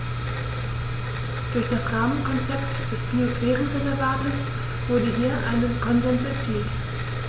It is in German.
Durch das Rahmenkonzept des Biosphärenreservates wurde hier ein Konsens erzielt.